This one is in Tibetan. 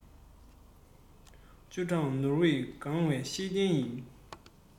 བཅུ ཕྲག ནོར བུས གང བའི ཤེས ལྡན ཡིན